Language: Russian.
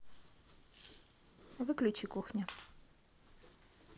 выключи кухня